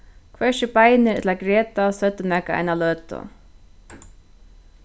hvørki beinir ella greta søgdu nakað eina løtu